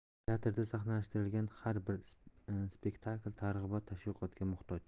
teatrda sahnalashtirilgan har bir spektakl targ'ibot tashviqotga muhtoj